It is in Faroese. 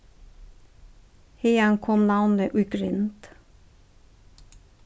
haðan kom navnið í grind